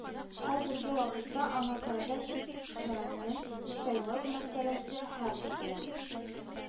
Хәзерге вакытта аңа карата чик чарасын сайлау мәсьәләсе хәл ителә